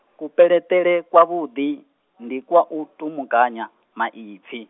kupeleṱele kwavhuḓi, ndi kwa u tumukanya, maipfi.